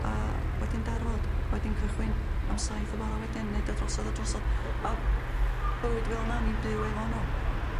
A wedyn darfod wedyn cychwyn am saith y bore wedyn neud o drosodd a drosodd a bywyd fel 'na o'n i'n byw efo n'w.